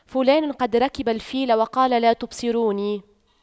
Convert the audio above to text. فلان قد ركب الفيل وقال لا تبصروني